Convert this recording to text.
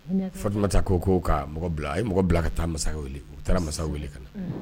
Faturata ko ko ka mɔgɔ bila i mɔgɔ bila ka taa masaw weele u taara masaw weele ka na